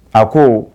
A ko